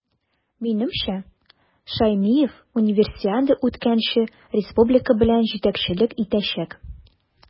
Минемчә, Шәймиев Универсиада үткәнче республика белән җитәкчелек итәчәк.